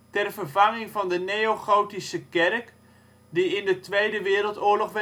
ter vervanging van de Neogotische kerk die in de Tweede Wereldoorlog